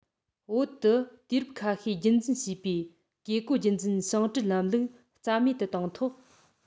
བོད དུ དུས རབས ཁ ཤས རྒྱུན འཛིན བྱས པའི བཀས བཀོད རྒྱུད འཛིན ཞིང བྲན ལམ ལུགས རྩ མེད དུ བཏང ཐོག